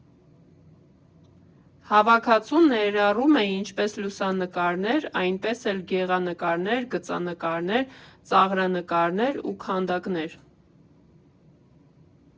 Հավաքածուն ներառում է ինչպես լուսանկարներ, այնպես էլ գեղանկարներ, գծանկարներ, ծաղրանկարներ ու քանդակներ։